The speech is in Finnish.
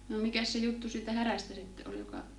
no mikäs se juttu siitä härästä sitten oli joka